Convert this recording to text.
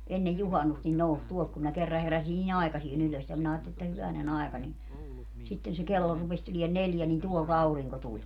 ennen juhannusta niin nousi tuolta kun minä kerran heräsin niin aikaiseen ylös ja minä ajattelin että hyvänen aika niin sitten se kello rupesi tulemaan neljä niin tuolta aurinko tuli